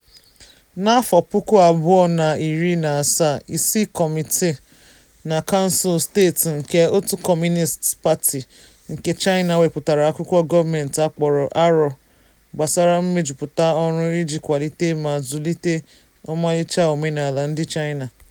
N'afọ puku abụọ na iri na asaa, isi kọmitii na kansụl steeti nke òtù Communist Party nke China wepụtara akwụkwọ gọọmentị a kpọrọ "Aro gbasara mmejuputa ọrụ iji kwalite ma zụlite ọmarịcha omenala ndị China"."